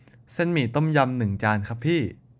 เส้นหมี่ต้มยำหนึ่งจานครับพี่